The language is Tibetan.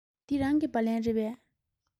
འདི རང གི སྦ ལན རེད པས